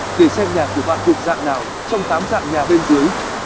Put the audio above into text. để xem nhà của bạn thuộc dạng nào trong tám dạng nhà bên dưới